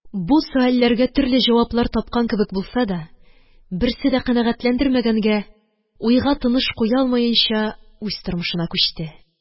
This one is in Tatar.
Бу сөальләргә төрле җаваплар тапкан кебек булса да, берсе дә канәгатьләндермәгәнгә, уйга тыныш куя алмаенча, үз тормышына күчте.